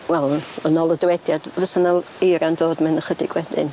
Wel yn yn ôl y dywediad fysa ;na l- eira'n dod mewn ychydig wedyn.